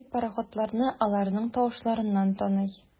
Әти пароходларны аларның тавышларыннан таный.